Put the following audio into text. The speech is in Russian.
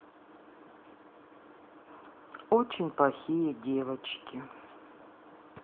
очень плохие девочки